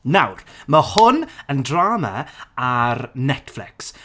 Nawr ma' hwn yn drama ar Netflix.